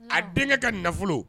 A denkɛ ka nafolo